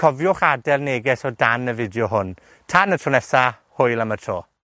cofiwch adel neges o dan y fideo hwn. Tan y tro nesa. Hwyl am y tro